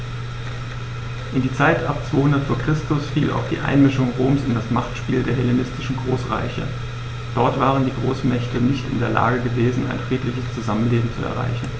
In die Zeit ab 200 v. Chr. fiel auch die Einmischung Roms in das Machtspiel der hellenistischen Großreiche: Dort waren die Großmächte nicht in der Lage gewesen, ein friedliches Zusammenleben zu erreichen.